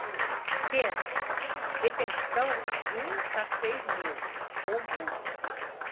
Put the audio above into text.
pena detenção de um a seis meses ou multa